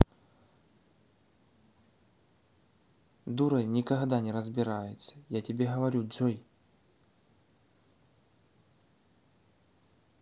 дурой никогда не разбирается я тебе говорю джой